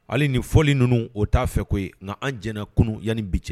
Hali ni fɔli ninnu o t'a fɛ ko ye nka an j kunun yanani bi jɛ